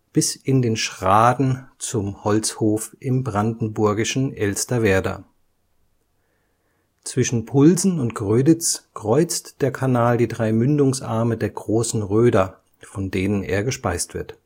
bis in den Schraden zum Holzhof im brandenburgischen Elsterwerda. Zwischen Pulsen und Gröditz kreuzt der Kanal die drei Mündungsarme der Großen Röder, von denen er gespeist wird